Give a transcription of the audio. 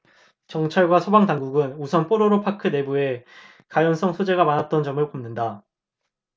경찰과 소방당국은 우선 뽀로로 파크 내부에 가연성 소재가 많았던 점을 꼽는다